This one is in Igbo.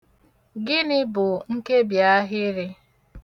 Gịnị bụ nkebiahịrị?